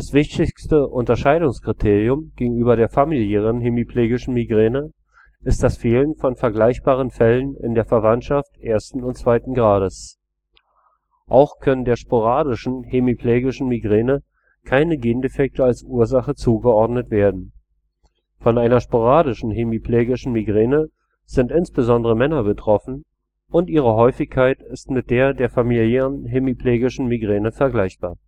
wichtigste Unterscheidungskriterium gegenüber der familiären hemiplegischen Migräne ist das Fehlen von vergleichbaren Fällen in der Verwandtschaft ersten und zweiten Grades. Auch können der sporadischen hemiplegische Migräne keine Gendefekte als Ursache zugeordnet werden. Von einer sporadischen hemiplegische Migräne sind insbesondere Männer betroffen und ihre Häufigkeit ist mit der der familiären hemiplegischen Migräne vergleichbar